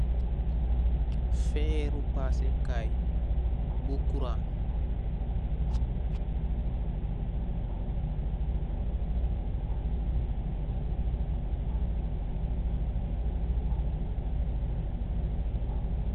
Feeru paaseeh kaaye, bu kuraah.